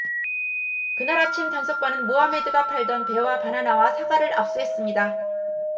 그날 아침 단속반은 모하메드가 팔던 배와 바나나와 사과를 압수했습니다